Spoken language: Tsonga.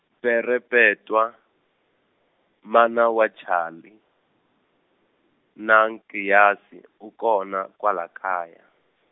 Perepetwa mana wa Chali na Nkiyasi u kona kwala kaya.